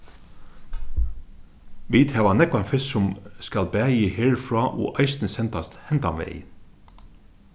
vit hava nógvan fisk sum skal bæði her frá og eisini sendast hendan vegin